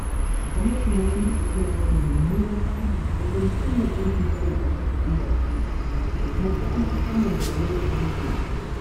Gwamnatin Mozambiƙue tana barin mummunan tarihi ta wajen danne 'yancin faɗin albarkacin baki da kuma damar samun bayanai a yankin.